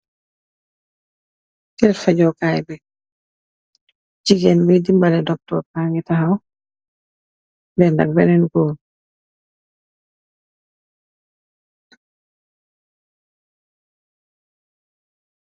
Kerr fahjor kaii bii, gigain buiy dimbaleh doctore bangy takhaw ben ak benen gorre.